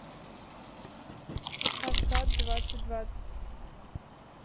пассат двадцать двадцать